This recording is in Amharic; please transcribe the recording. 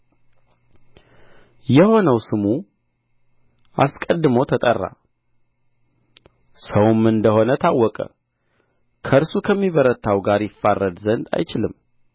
የሆነው ስሙ አስቀድሞ ተጠራ ሰውም እንደ ሆነ ታወቀ ከእርሱ ከሚበረታው ጋር ይፋረድ ዘንድ አይችልም